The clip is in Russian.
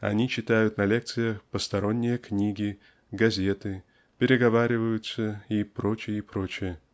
они читают на лекциях посторонние книги газеты переговаривают-ея и проч. , и проч.